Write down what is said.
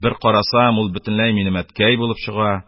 : бер карасам, ул бөтенләй минем әткәй булып чыга.